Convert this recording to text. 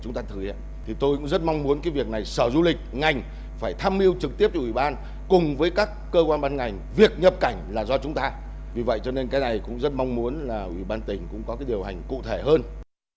chúng ta thực hiện thì tôi cũng rất mong muốn cái việc này sở du lịch ngành phải tham mưu trực tiếp cho ủy ban cùng với các cơ quan ban ngành việc nhập cảnh là do chúng ta vì vậy cho nên cái này cũng rất mong muốn là ủy ban tỉnh cũng có cách điều hành cụ thể hơn